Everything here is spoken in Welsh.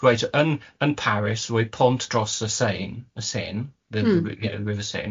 Reit, yn yn Paris roedd pont dros y Seine, y Seine... Hmm. ...the River Seine.